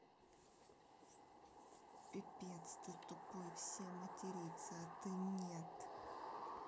пипец ты тупой все матеряться а ты нет